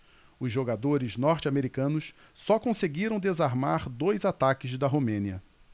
os jogadores norte-americanos só conseguiram desarmar dois ataques da romênia